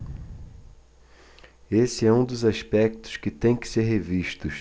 esse é um dos aspectos que têm que ser revistos